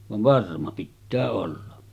vaan varma pitää olla